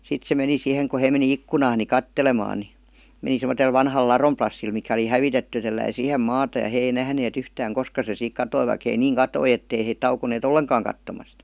sitten se meni siihen kun he meni ikkunaan niin katselemaan niin meni semmoiselle vanhalle ladon plassille mikä oli hävitetty ja telläsi siihen maata ja he ei nähneet yhtään koska se siitä katosi vaikka he niin katsoi että ei he tauonneet ollenkaan katsomasta